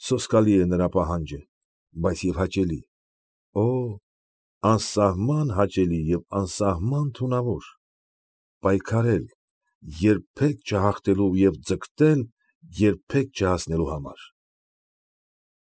Սոսկալի է նրա պահանջը, բայց և հաճելի, օօ, անսահման հաճելի և անսահման թունավոր֊պայքարել, երբեք չհաղթելու և ձգտել, երբեք չհասնելու համար։